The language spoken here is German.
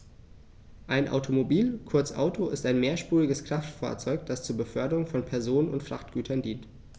Ein Automobil, kurz Auto, ist ein mehrspuriges Kraftfahrzeug, das zur Beförderung von Personen und Frachtgütern dient.